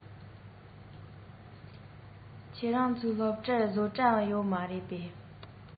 ཁྱོད རང ཚོའི སློབ གྲྭར བཟོ གྲྭ ཡོད མ རེད པས